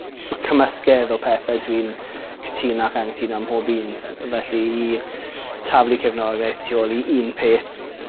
ma' cymysgedd o pethe dwi'n cytuno ac anghytuno ym mhob un s- felly i taflu cefnogaeth tu ôl i un peth